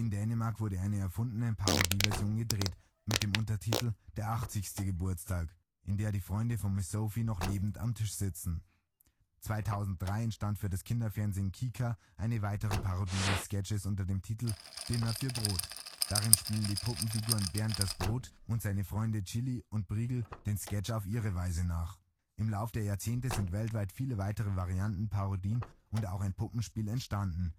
Dänemark wurde eine erfundene Parodie-Version gedreht, mit dem Untertitel „… Der achtzigste Geburtstag “, in der die Freunde von Miss Sophie noch lebend am Tisch sitzen. 2003 entstand für den Kinderfernsehsender KiKa eine weitere Parodie des Sketches unter dem Titel Dinner für Brot. Darin spielen die Puppen-Figuren Bernd das Brot und seine Freunde Chili und Briegel den Sketch auf ihre Weise nach. Im Laufe der Jahrzehnte sind weltweit viele weitere Varianten, Parodien, und auch ein Puppenspiel entstanden